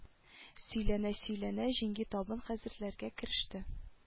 Сөйләнә-сөйләнә җиңги табын хәзерләргә кереште